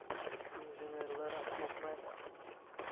injenerlar ahmoqmas